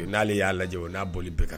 N'ale y'a lajɛ o n'a boli bɛɛ ka